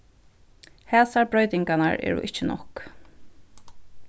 hasar broytingarnar eru ikki nokk